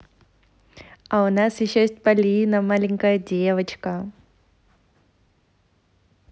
а у нас еще есть полина маленькая девочка